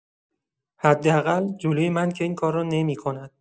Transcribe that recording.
حداقل جلوی من که این کار را نمی‌کند.